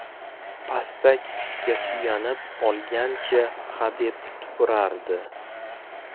pastak tutga suyanib olgancha hadeb tupurardi